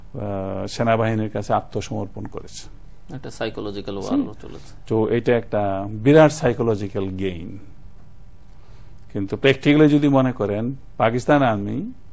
সেনাবাহিনীর কাছে আত্মসমর্পণ করেছে একটা সাইকোলজিকাল ওয়ারও চলেছে তো এটা একটা বিরাট সাইকোলজিকাল গেইম কিন্তু প্র্যাকটিক্যালি যদি মনে করেন পাকিস্তান আর্মি